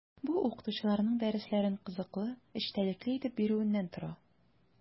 Бу – укытучыларның дәресләрен кызыклы, эчтәлекле итеп бирүеннән тора.